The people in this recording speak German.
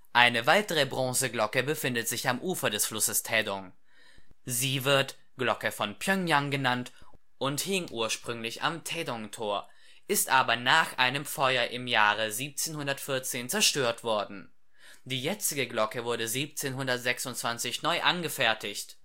Eine weitere Bronzeglocke befindet sich am Ufer des Flusses Taedong. Sie wird Glocke von Pjöngjang genannt und hing ursprünglich am Taedong-Tor, ist aber nach einem Feuer im Jahre 1714 zerstört worden. Die jetzige Glocke wurde 1726 neu angefertigt